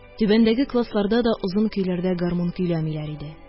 Түбәндәге классларда да озын көйләрдә гармун көйләмиләр иде...